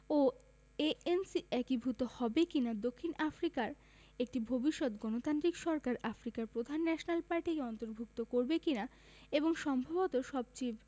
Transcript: ও ANC একীভূত হবে কি না দক্ষিণ আফ্রিকার একটি ভবিষ্যৎ গণতান্ত্রিক সরকার আফ্রিকার প্রধান ন্যাশনাল পার্টিকে অন্তর্ভুক্ত করবে কি না এবং সম্ভবত সবচেয়ে